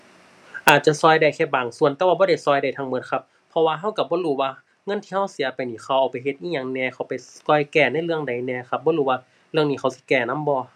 อาจจะช่วยได้แค่บางส่วนแต่ว่าบ่ได้ช่วยได้ทั้งช่วยครับ เพราะว่าช่วยช่วยบ่รู้ว่าเงินที่ช่วยเสียไปนี่ เขาเอาไปเฮ็ดอิหยังแหน่ เขาไปช่วยแก้ในเรื่องใดแน่ครับ บ่รู้ว่าเรื่องนี้เขาสิแก้นำบ่